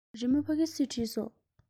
རི མོ ཕ གི སུས བྲིས སོང